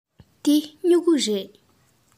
འདི སྨྱུ གུ རེད